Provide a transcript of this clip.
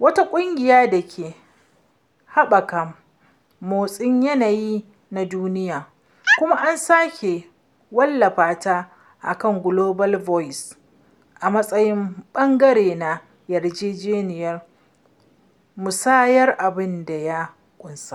wata ƙungiya da ke haɓaka motsin yanayi na duniya, kuma an sake wallafa ta a kan Global Voices a matsayin ɓangare na yarjejeniyar musayar abun da ya ƙunsa.